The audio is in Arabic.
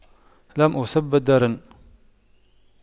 لم أصب بالدرن